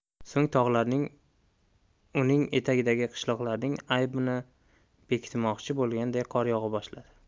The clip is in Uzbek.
so'ng tog'larning uning etagidagi qishloqlarning aybini berkitmoqchi bo'lganday qor yog'a boshladi